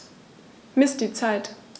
Miss die Zeit.